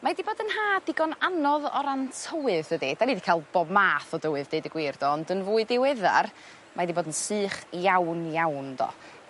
Mae 'di bod yn ha digon anodd o ran tywydd dydi 'dan ni 'di cael bob math o dywydd deud y gwir do ond yn fwy diweddar mae 'di bod yn sych iawn iawn do?